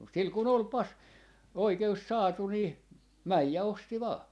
mutta sillä kun oli - oikeus saatu niin meni ja osti vain